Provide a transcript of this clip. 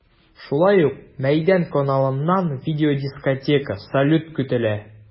Шулай ук “Мәйдан” каналыннан видеодискотека, салют көтелә.